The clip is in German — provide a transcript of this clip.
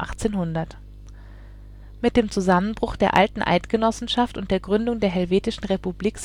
Zusammenbruch der Alten Eidgenossenschaft und der Gründung der Helvetischen Republik